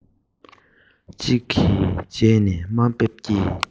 ཅིག གིས རྗེས ནས དམའ འབེབས ཀྱི